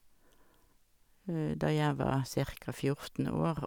Da jeg var cirka fjorten år.